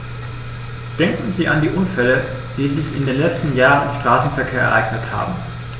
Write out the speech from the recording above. Denken Sie an die Unfälle, die sich in den letzten Jahren im Straßenverkehr ereignet haben.